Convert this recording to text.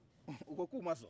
u ko k'u ma sɔn